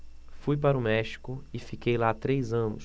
fui para o méxico e fiquei lá três anos